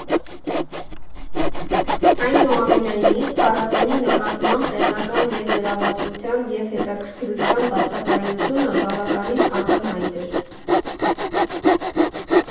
Այնուամենայնիվ, փառատոնի նկատմամբ տեղական ներգրավվածության և հետաքրքրության բացակայությունը բավականին ակնհայտ էր։